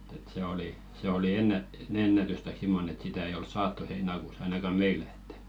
että että se oli se oli -- ennätys tai semmoinen että sitä ei ole saatu heinäkuussa ainakaan meillä että